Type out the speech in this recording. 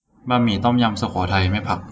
บะหมี่ต้มยำสุโขทัยไม่ผัก